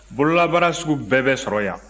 bololabaara sugu bɛɛ bɛ sɔrɔ yan